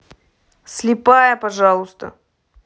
слепая пожалуйста